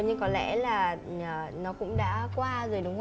nhưng có lẽ là nó cũng đã qua rồi đúng